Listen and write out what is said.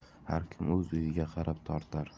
har kim o'z uyiga qarab tortar